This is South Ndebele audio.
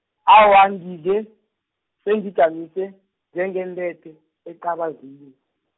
awa ngidle, sengiyijamise njengentethe, ecabazini.